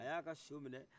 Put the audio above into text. a ye a ka so minɛ